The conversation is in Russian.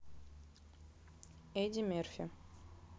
эдди мерфи